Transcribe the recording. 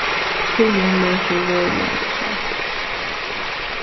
tíðin lekir veruliga øll sár